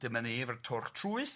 dyma ni efo'r twrch trwyth.